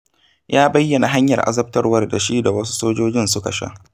Ya bayyana hanyar azabtarwar da shi da wasu sojojin suka sha: